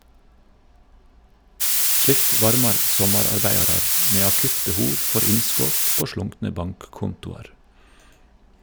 Slikt varmar sommararbeidarar med akutt behov for innskot på slunkne bankkontoar.